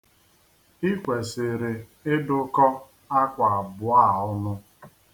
I kwesịrị ịdụkọ akwa abụọ a ọnụ.